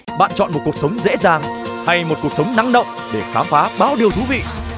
bạn chọn một cuộc sống dễ dàng thay một cuộc sống năng động để khám phá bao điều thú vị